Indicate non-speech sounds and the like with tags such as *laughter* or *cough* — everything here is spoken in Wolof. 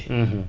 *hesitation* *hesitation*